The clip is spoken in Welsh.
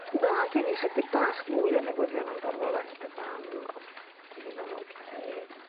Ma' gen i chydig bach mwy o newyddion am farwolaeth dy fam os 'di hwnna'n oce?